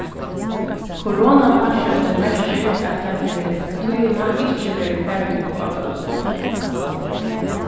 koronafarsóttin merkir at tað fyri tíðina ikki verður farið upp á gólv